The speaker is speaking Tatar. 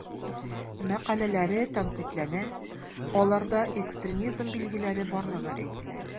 Мәкаләләре тәнкыйтьләнә, аларда экстремизм билгеләре барлыгы әйтелә.